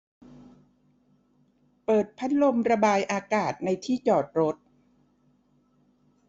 เปิดพัดลมระบายอากาศในที่จอดรถ